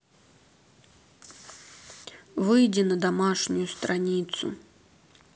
выйди на домашнюю страницу